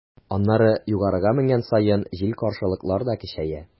Аннары, югарыга менгән саен, җил-каршылыклар да көчәя.